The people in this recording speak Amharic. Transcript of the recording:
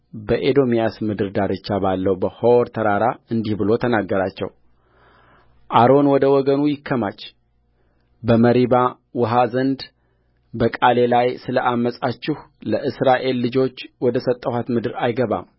በኤዶምያስ ምድር ዳርቻ ባለው በሖር ተራራ እንዲህ ብሎ ተናገራቸውአሮን ወደ ወገኑ ይከማች በመሪባ ውኃ ዘንድ በቃሌ ላይ ስለ ዐመፃችሁ ለእስራኤል ልጆች ወደ ሰጠኋት ምድር አይገባም